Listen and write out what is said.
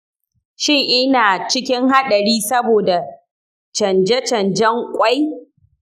shin ina cikin haɗari saboda canjen-canjen ƙwai?